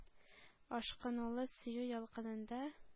Ашкынулы сөю ялкынында